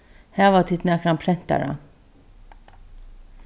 hava tit nakran prentara